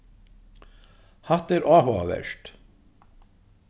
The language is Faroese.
hatta er áhugavert